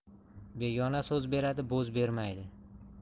begona so'z beradi bo'z bermaydi